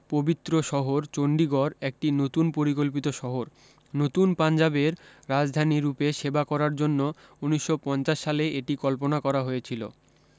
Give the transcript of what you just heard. পবিত্র শহর চন্ডীগড় একটি নতুন পরিকল্পিত শহর নতুন পাঞ্জাবের রাজধানী রূপে সেবা করার জন্য উনিশশ পঞ্চাশ সালে এটি কল্পনা করা হয়েছিলো